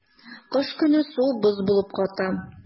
Кыш көне су боз булып ката.